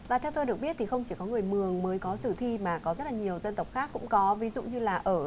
và theo tôi được biết thì không chỉ có người mường mới có sử thi mà có rất là nhiều dân tộc khác cũng có ví dụ như là ở